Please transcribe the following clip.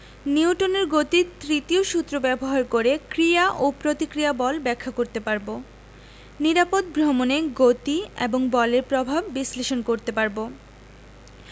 নিউটনের গতির তৃতীয় সূত্র ব্যবহার করে ক্রিয়া ও প্রতিক্রিয়া বল ব্যাখ্যা করতে পারব নিরাপদ ভ্রমণে গতি এবং বলের প্রভাব বিশ্লেষণ করতে পারব